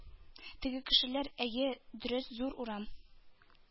Теге кешеләр: Әйе, дөрес, зур урам,